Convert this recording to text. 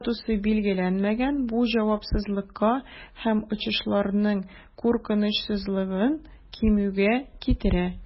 Аның статусы билгеләнмәгән, бу җавапсызлыкка һәм очышларның куркынычсызлыгын кимүгә китерә.